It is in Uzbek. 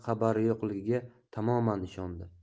xabari yo'qligiga tamoman ishondi